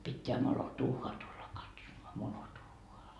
pitää moloduuhhaa tulla katsomaan moloduuhhaa